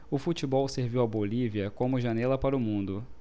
o futebol serviu à bolívia como janela para o mundo